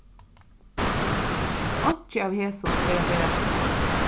einki av hesum fer at bera til